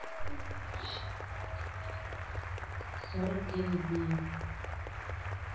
сорок девять дней